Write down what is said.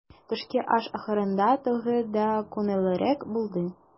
Төшке аш ахырында тагы да күңеллерәк булды.